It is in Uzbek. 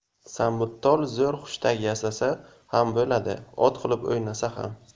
sambittol zo'r hushtak yasasa ham bo'ladi ot qilib o'ynasa ham